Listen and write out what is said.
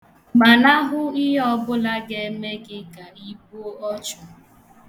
Gbanahụ ihe ọ bụla ga-eme gị ka ị gbuo ọchụ.